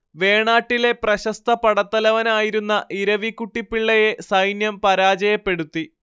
വേണാട്ടിലെ പ്രശസ്ത പടത്തലവനായിരുന്ന ഇരവിക്കുട്ടിപ്പിള്ളയെ സൈന്യം പരാജയപ്പെടുത്തി